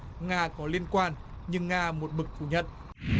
nga có liên quan nhưng nga một mực phủ nhận